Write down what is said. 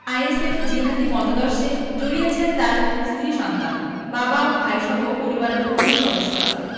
আইএসের জিহাদি মতাদর্শে জড়িয়েছেন তাঁর স্ত্রী সন্তান বাবা ভাইসহ পরিবারের অন্য সদস্যরা